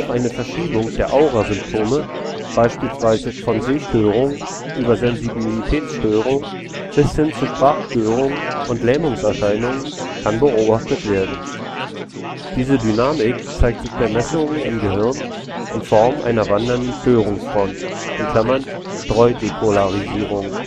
eine Verschiebung der Aurasymptome, beispielsweise von Sehstörungen über Sensibilitätsstörungen bis hin zu Sprachstörungen und Lähmungserscheinungen, kann beobachtet werden. Diese Dynamik zeigt sich bei Messungen im Gehirn in Form einer wandernden Störungsfront (Streudepolarisierung